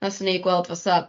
nathon ni gweld fatha